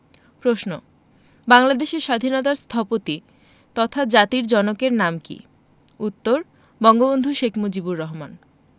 প্রশ্ন বাংলাদেশের স্বাধীনতার স্থপতি তথা জাতির জনকের নাম কী উত্তর বঙ্গবন্ধু শেখ মুজিবুর রহমান